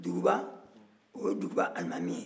duguba o ye duguba alimami ye